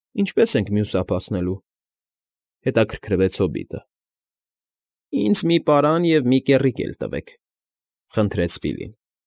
Ինչպե՞ս ենք մյուս ափ հասնելու,֊ հետաքրքրվեց հոբիտը։ ֊ Ինձ մի պարան և մի կեռիկ էլ տվեք,֊ խնդրեց Ֆիլին։